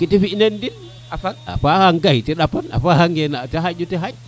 ndiki te fi ne mbin a wag a faxn te te ndapan a faxa nge na te xaƴ